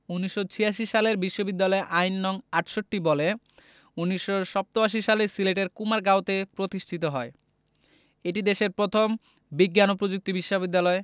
১৯৮৬ সালের বিশ্ববিদ্যালয় আইন নং ৬৮ বলে ১৯৮৭ সালে সিলেটের কুমারগাঁওতে প্রতিষ্ঠিত হয় এটি দেশের প্রথম বিজ্ঞান ও প্রযুক্তি বিশ্ববিদ্যালয়